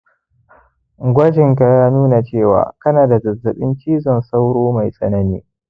gwajinka ya nuna cewa kana da zazzabin cizon sauro mai tsanani